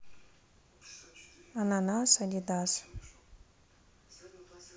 ананас адидас